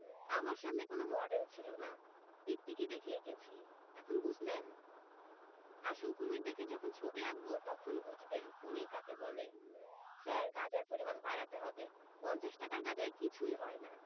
আমার সামনে কোন মডেল ছিল না টিকটিকি দেখে এঁকেছি এখন বুঝলেন আসল কুমীর দেখে যখন ছবি আঁকব তখন বুঝবেন কুমীর কাকে বলে স্যার গাঁজার পরিমাণ বাড়াতে হবে পঞ্চাশ টাকার গাজায় কিছুই হয় না